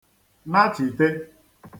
nachìte